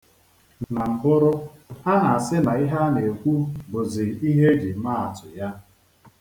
Na mbụrụ, a na-asị na ihe a na-ekwu bụzi ihe e ji maa atụ ya.